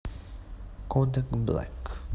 kodak black